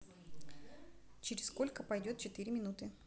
через сколько пойдет четыре минуты